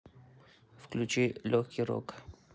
включи легкий рок